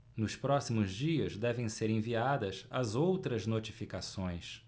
nos próximos dias devem ser enviadas as outras notificações